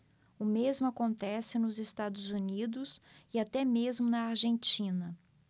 o mesmo acontece nos estados unidos e até mesmo na argentina